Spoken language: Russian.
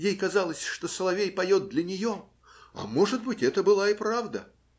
ей казалось, что соловей поет для нее, а может быть, это была и правда.